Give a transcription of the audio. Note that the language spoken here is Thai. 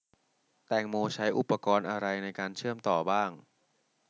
แตงโมใช้อุปกรณ์อะไรในการเชื่อมต่อบ้าง